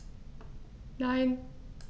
Nein.